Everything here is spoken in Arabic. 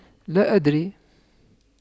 لا أدري